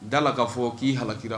D'a la k'a fɔ k'i halakira